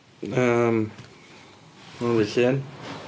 Yym hwn 'di'r llun.